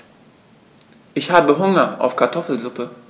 Ich habe Hunger auf Kartoffelsuppe.